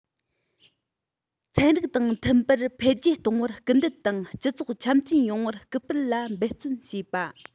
ཚན རིག དང མཐུན པར འཕེལ རྒྱས གཏོང བར སྐུལ འདེད དང སྤྱི ཚོགས འཆམ མཐུན ཡོང བར སྐུལ སྤེལ ལ འབད བརྩོན བྱས པ